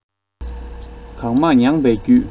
གང མང མྱངས པ བརྒྱུད